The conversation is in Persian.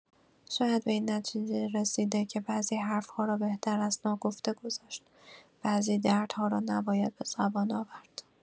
شاید به این نتیجه رسیده که بعضی حرف‌ها را بهتر است ناگفته گذاشت، بعضی دردها را نباید به زبان آورد.